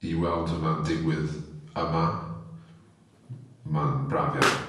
i weld hwnna'n digwydd yma m- ma'n braf iawn.